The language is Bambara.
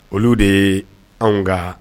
Olu de ye anw ka